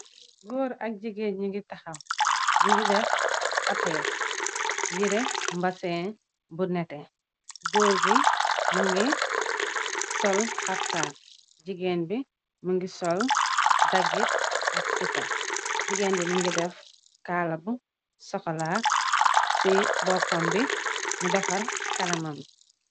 Góor ak jigeen ñu ngi taxaw ñu ngi def otees yire mbaseen bu nete góor gi më nga sol xaftaan jigeen bi më ngi sol daggit ak sipa jigeen bi më ngi def kaala bu sokola ci boppam bi mu defar kanamam bi.